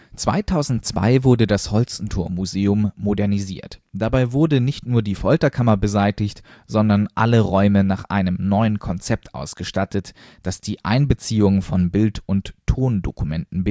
2002 wurde das Holstentormuseum modernisiert. Dabei wurde nicht nur die Folterkammer beseitigt, sondern alle Räume nach einem neuen Konzept ausgestattet, das die Einbeziehung von Bild - und Tondokumenten